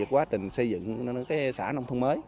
quá trình xây dựng xã nông thôn mới